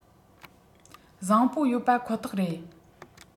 བཟང པོ ཡོད པ ཁོ ཐག རེད